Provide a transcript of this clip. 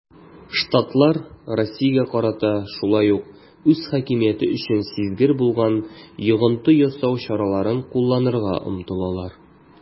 Штатлар Россиягә карата шулай ук үз хакимияте өчен сизгер булган йогынты ясау чараларын кулланырга омтылалар.